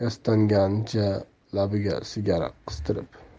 dedi niyoz yastanganicha labiga sigara qistirib